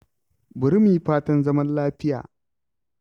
Bari mu yi fatan zaman lafiya.